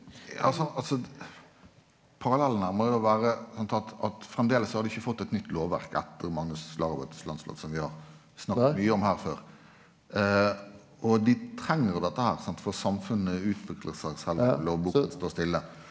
altså altså parallellen her må jo vere sant at at framleis så har du ikkje fått eit nytt lovverk etter Magnus Lagabøtes landslov som vi har snakka mykje om her før og dei treng jo dette her sant for samfunnet utviklar seg sjølv om lovboka står stille.